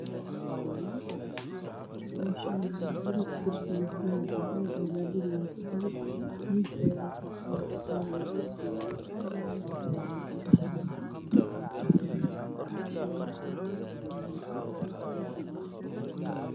Meshan waa guri dirbigiiso yahay cadan ala babada waaa qaxwi miis ayaa halkaas yaalo cadan io kursi madow